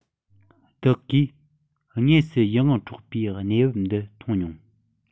བདག གིས དངོས སུ ཡིད དབང འཕྲོག པའི གནས བབ འདི མཐོང མྱོང